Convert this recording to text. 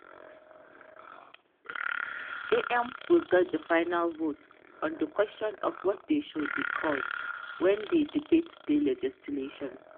AMs will get the final vote on the question of what they should be called when they debate the legislation.